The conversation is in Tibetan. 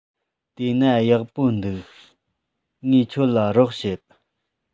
དེ ན ཡག པོ འདུག ངས ཁྱོད ལ རོགས བྱེད